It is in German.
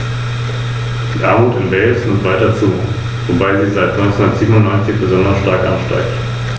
Meine Änderungsanträge betreffen die Frostbeständigkeit der Transportbehälter für Gefahrgut.